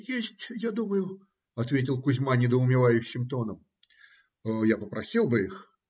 - Есть, я думаю, - ответил Кузьма недоумевающим тоном. Я попросил бы их,